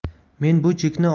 men bu chekni